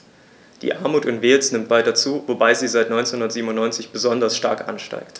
Die Armut in Wales nimmt weiter zu, wobei sie seit 1997 besonders stark ansteigt.